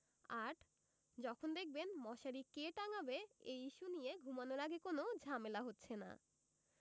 ৮. যখন দেখবেন মশারি কে টাঙাবে এই ইস্যু নিয়ে ঘুমানোর আগে কোনো ঝামেলা হচ্ছে না